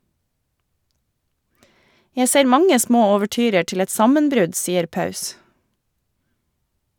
Jeg ser mange små ouverturer til et sammenbrudd, sier Paus.